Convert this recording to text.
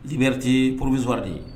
Dibi tɛ porobissa de ye